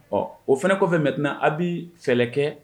Ɔ o fana kɔfɛ mɛn tɛna aw bɛ sɛnɛ kɛ